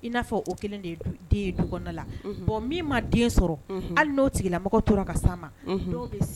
I n'a fɔ o kelen de ye den du kɔnɔna la, bon min ma den sɔrɔ, hali n'o tigilamɔgɔ tora ka s'a ma dɔw bɛ